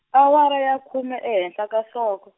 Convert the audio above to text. awara ya khume ehenhla ka nhloko.